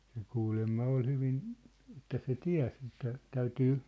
se kuulemma oli hyvin että se tiesi että täytyy